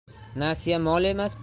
nasiya mol emas